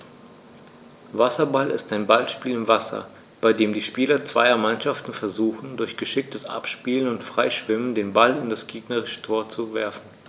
Wasserball ist ein Ballspiel im Wasser, bei dem die Spieler zweier Mannschaften versuchen, durch geschicktes Abspielen und Freischwimmen den Ball in das gegnerische Tor zu werfen.